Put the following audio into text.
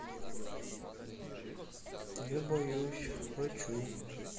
я боюсь хочу